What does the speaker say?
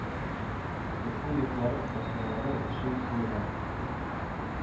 Уку йотрлары басмалары өчен семинар